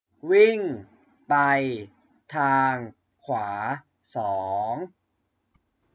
วิ่งไปทางขวาสอง